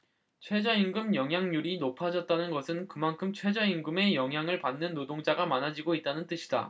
최저임금 영향률이 높아졌다는 것은 그만큼 최저임금의 영향을 받는 노동자가 많아지고 있다는 뜻이다